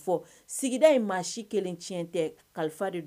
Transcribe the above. Kelen tɛ